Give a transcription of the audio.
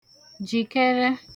jìkẹrẹ